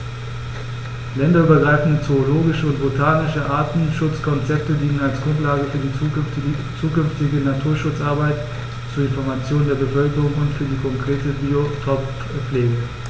Länderübergreifende zoologische und botanische Artenschutzkonzepte dienen als Grundlage für die zukünftige Naturschutzarbeit, zur Information der Bevölkerung und für die konkrete Biotoppflege.